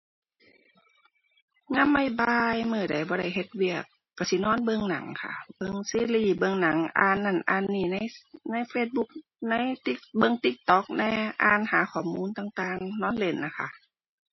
ยามบ่ายบ่าย มื้อใดบ่ได้เฮ็ดเวียกก็สินอนเบิ่งหนังค่ะ เบิ่งซีรีส์ เบิ่งหนัง อ่านนั่นอ่านนี่ใน ใน Facebook ในติ๊ก เบิ่ง TikTok แหน่ อ่านหาข้อมูลต่างต่าง นอนเล่นน่ะค่ะ